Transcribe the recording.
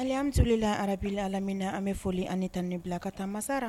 Hali anmitu la ararabubi alamina an bɛ foli ani tan ni bila ka taa masasara